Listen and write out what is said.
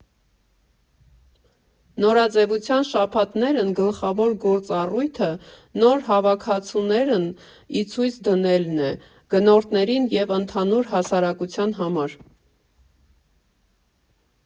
Նորաձևության շաբաթներն գլխավոր գործառույթը նոր հավաքածուներն ի ցույց դնելն է՝ գնրդներին և ընդհանուր հասարակության համար։